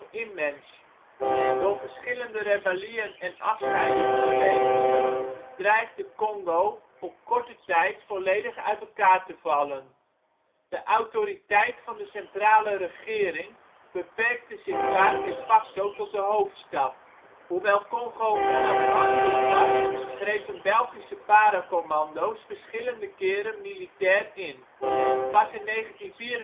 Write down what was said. immens. Door verschillende rebellieën en afscheidingsbewegingen dreigde Congo op korte tijd volledig uit elkaar te vallen. De autoriteit van de centrale regering beperkte zich vaak de facto tot de hoofdstad. Hoewel Congo onafhankelijk was, grepen Belgische paracommando 's verschillende keren militair in. Pas in 1964-5